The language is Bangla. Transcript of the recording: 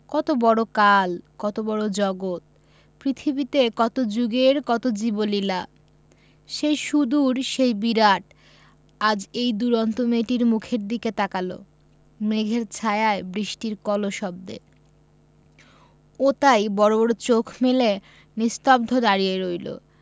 কত বড় কাল কত বড় জগত পৃথিবীতে কত জুগের কত জীবলীলা সেই সুদূর সেই বিরাট আজ এই দুরন্ত মেয়েটির মুখের দিকে তাকাল মেঘের ছায়ায় বৃষ্টির কলশব্দে ও তাই বড় বড় চোখ মেলে নিস্তব্ধ দাঁড়িয়ে রইল